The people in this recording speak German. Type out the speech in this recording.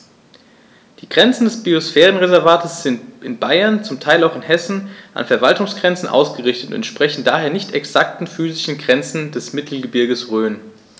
Die Grenzen des Biosphärenreservates sind in Bayern, zum Teil auch in Hessen, an Verwaltungsgrenzen ausgerichtet und entsprechen daher nicht exakten physischen Grenzen des Mittelgebirges Rhön.